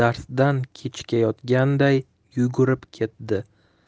darsdan kechikayotganday yugurib ketdi